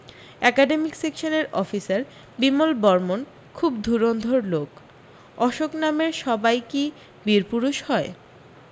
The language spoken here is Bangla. একাডেমিক সেকসানের অফিসার বিমল বরমন খুব ধুরন্ধর লোক অশোক নামের সবাই কী বীরপুরুষ হয়